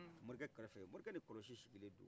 morikɛ kɛrɛfɛ morikɛ ni kɔlɔsi sigilen do